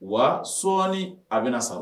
Wa sɔɔni a bɛna na sɔrɔ